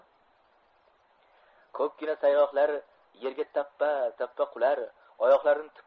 ko'pgina sayg'oqlar yerga tappa tappa qular